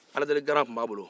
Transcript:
aladeligaara tun b'a bolo